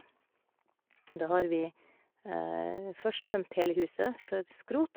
Da har vi først tømt hele huset for skrot.